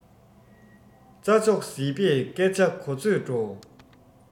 རྩ མཆོག ཟིལ པས སྐད ཆ གོ ཚོད འགྲོ